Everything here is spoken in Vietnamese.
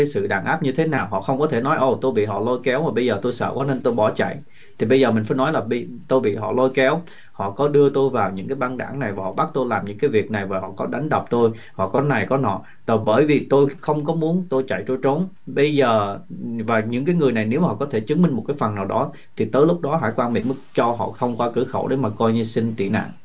sự đàn áp như thế nào họ không có thể nói ô tô bị họ lôi kéo mà bây giờ tôi sợ quá nên tôi bỏ chạy thì bây giờ mình phải nói là bị tôi bị họ lôi kéo họ có đưa tôi vào những cái băng đảng này họ bắt tôi làm những cái việc này và họ có đánh đập tôi họ có này có nọ bởi vì tôi không có muốn tôi chạy trốn bây giờ và những người này nếu mà có thể chứng minh một cái phần nào đó thì tới lúc đó hải quân mỹ mức cho họ thông qua cửa khẩu để mà coi như xin tị nạn